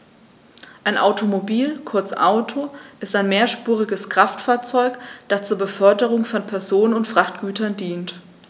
Ein Automobil, kurz Auto, ist ein mehrspuriges Kraftfahrzeug, das zur Beförderung von Personen und Frachtgütern dient.